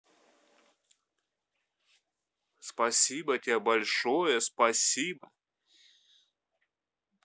спасибо тебе большое спасибо